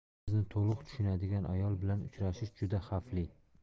sizni to'liq tushunadigan ayol bilan uchrashish juda xavfli